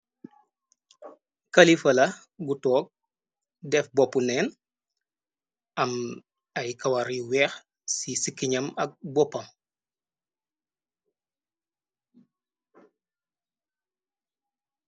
Kalifala bu toog def bopi neen am ay kawar yu weex ci sikkiñam ak boppam.